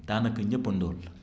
daanaka ñépp a ndóol